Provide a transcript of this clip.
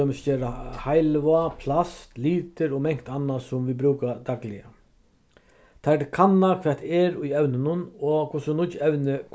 dømis gera heilivág plast litir og mangt annað sum vit brúka dagliga teir kanna hvat er í evnunum og hvussu nýggj evni